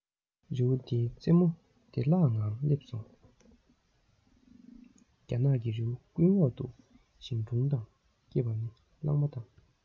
རི བོ འདིའི རྩེ མོ བདེ བླག ངང སླེབས སོང རྒྱ ནག གི རི བོ ཀུན འོག ཏུ ཞིང གྲོང དང སྐེད པ ནི གླང མ དང